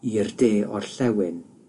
i'r de orllewin